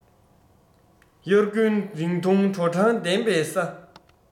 དབྱར དགུན རིང ཐུང དྲོ གྲང ལྡན པའི ས